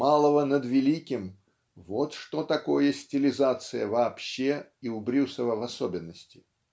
малого над великим -- вот что такое стилизация вообще и у Брюсова в особенности.